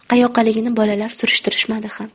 qayoqqaligini bolalar surishtirishmadi ham